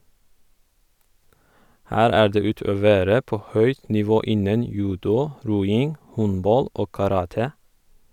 - Her er det utøvere på høyt nivå innen judo, roing, håndball og karate.